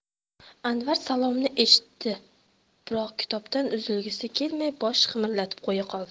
anvar salomni eshitdi biroq kitobdan uzilgisi kelmay bosh qimirlatib qo'ya qoldi